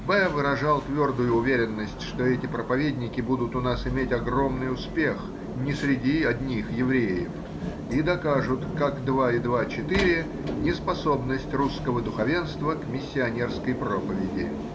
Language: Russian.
Б. выражал твердую уверенность, что эти проповедники будут у нас иметь огромный успех не среди одних евреев и докажут, как два и два — четыре, неспособность русского духовенства к миссионерской проповеди.